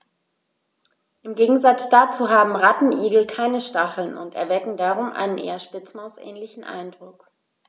Im Gegensatz dazu haben Rattenigel keine Stacheln und erwecken darum einen eher Spitzmaus-ähnlichen Eindruck.